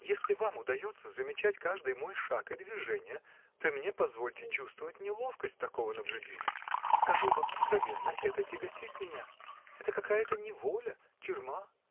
— Если вам удается замечать каждый мой шаг и движение, то и мне позвольте чувствовать неловкость такого наблюдения: скажу вам откровенно — это тяготит меня. Это какая-то неволя, тюрьма.